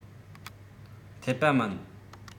འཐད པ མིན